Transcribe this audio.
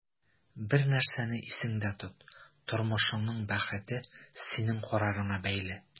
Бер нәрсәне исеңдә тот: тормышыңның бәхете синең карарыңа бәйле.